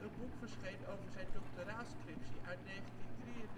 boek verscheen over zijn doctoraalscriptie uit 1933